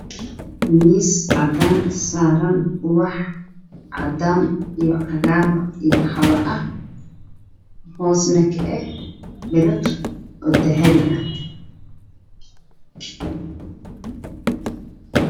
Miis caddaana oo saaran wax cadaan iyo qaxwi ah hoosna ka ah biriq dahabi ah